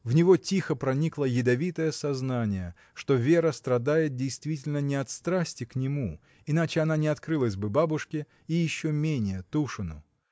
В него тихо проникло ядовитое сознание, что Вера страдает, действительно, не от страсти к нему, — иначе она не открылась бы бабушке и еще менее Тушину.